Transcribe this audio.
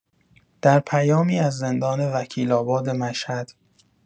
در پیامی از زندان وکیل‌آباد مشهد